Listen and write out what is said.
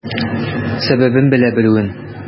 Сәбәбен белә белүен.